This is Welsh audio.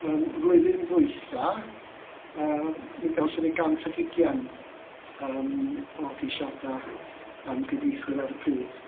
Yym flwyddyn ddwytha yym mi gawson ni gant ag ugain yym o geisiadau am gyfieithwyr ar y pryd.